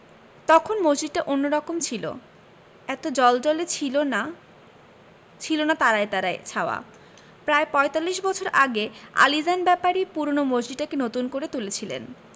তখন মসজিদটা অন্যরকম ছিল এত জ্বলজ্বলে ছিল না ছিলনা তারায় তারায় ছাওয়া প্রায় পঁয়তাল্লিশ বছর আগে আলীজান ব্যাপারী পূরোনো মসজিদটাকে নতুন করে তুলেছিলেন